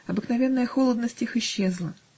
Обыкновенная холодность их исчезла.